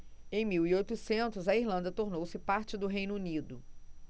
em mil e oitocentos a irlanda tornou-se parte do reino unido